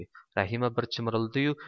rahima bir chimirildi yu